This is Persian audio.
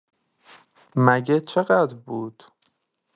مگه چقدر بود؟